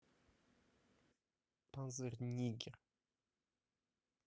panther нигер